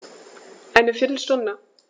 Eine viertel Stunde